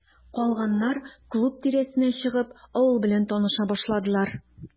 Калганнар, клуб тирәсенә чыгып, авыл белән таныша башладылар.